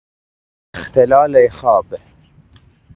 اختلال خواب